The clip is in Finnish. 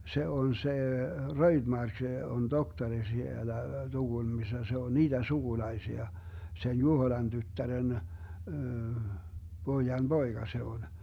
se on se Röjdmark on tohtori siellä Tukholmassa se on niiden sukulaisia sen Juhoilan tyttären pojan poika se on